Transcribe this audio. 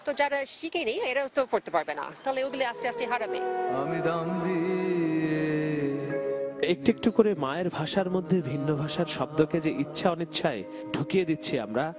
তো যারা শিখেনি তারাও তো পড়তে পারবে না তাহলে ওগুলো আস্তে আস্তে হারাবে একটু একটু করে মায়ের ভাষার মধ্যে যে ভিন্ন ভাষার শব্দকে যে ইচ্ছা অনিচ্ছায় ঢুকিয়ে দিচ্ছি আমরা